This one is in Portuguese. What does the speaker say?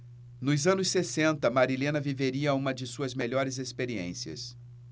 nos anos sessenta marilena viveria uma de suas melhores experiências